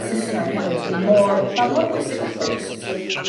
Sysnag hefyd ma' mor ma' mor bwysig weithia' jyst sort of